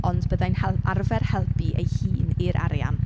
Ond byddai'n hel- arfer helpu ei hun i'r arian.